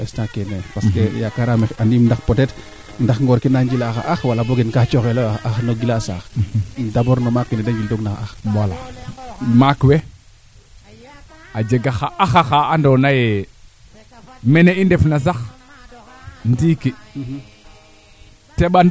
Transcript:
o waando axo laaga a refa nga koy wee ando naye comme nee leytan ma wee ando naye a teɓake kaa de mbaro o ndokoox xa axa xene leyoonga tena yoomb u mbaand refna a cop wala a law mbaa essayement